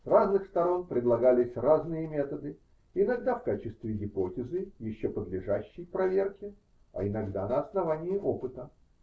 С разных сторон предлагались разные методы, иногда в качестве гипотезы, еще подлежащей проверке, а иногда на основании опыта.